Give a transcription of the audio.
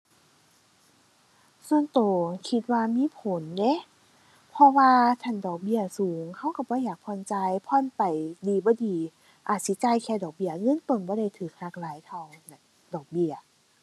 ส่วนตัวคิดว่ามีผลเดะ เพราะว่าคันดอกเบี้ยสูงตัวตัวบ่อยากผ่อนจ่าย ผ่อนไปดีบ่ดี อาจสิจ่ายแค่ดอกเบี้ย เงินต้นบ่ได้ตัวหักหลายเท่าแบบ ดอกเบี้ย